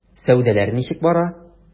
Сәүдәләр ничек бара?